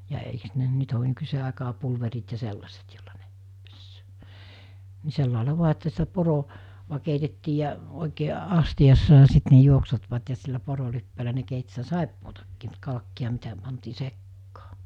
ja eikös ne nyt ole nykyiseen aikaan pulverit ja sellaiset jolla ne pesee niin sillä lailla vain että sitä - poroa keitettiin ja oikein astiassa ja sitten ne juoksuttivat ja sillä porolipeällä ne keitti sitä saippuaakin mutta kalkkia mitä pantiin sekaan